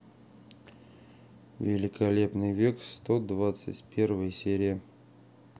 великолепный век сто двадцать первая серия